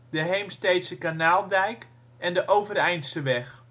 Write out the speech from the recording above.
de Heemsteedsekanaaldijk en de Overeindseweg